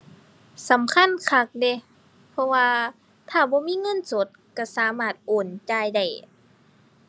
สำคัญคักเดะ เพราะว่า ถ้าบ่มีเงินสด ก็สามารถโอนจ่ายได้